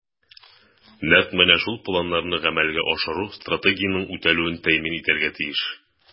Нәкъ менә шул планнарны гамәлгә ашыру Стратегиянең үтәлүен тәэмин итәргә тиеш.